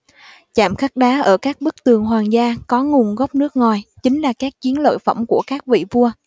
chạm khắc đá ở các bức tường hoàng gia có nguồn gốc nước ngoài chính là các chiến lợi phẩm của các vị vua